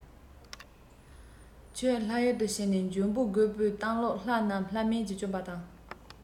ཁྱོད ལྷ ཡུལ དུ ཕྱིན ནས འཇོན པོ རྒོས པོ བཏང ལུགས ལྷ རྣམས ལྷ མིན གྱིས བཅོམ པ དང